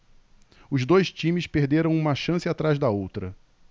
os dois times perderam uma chance atrás da outra